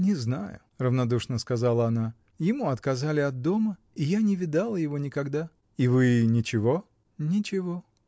— Не знаю, — равнодушно сказала она, — ему отказали от дома, и я не видала его никогда. — И вы — ничего? — Ничего.